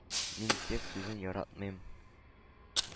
Мин текст сүзен яратмыйм.